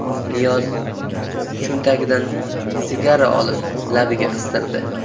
niyoz yon cho'ntagidan sigara olib labiga qistirdi